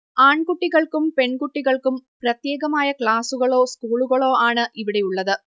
ആൺകുട്ടികൾക്കും പെൺകുട്ടികൾക്കും പ്രത്യേകമായ ക്ലാസുകളോ സ്കൂളുകളോ ആണ് ഇവിടെയുള്ളത്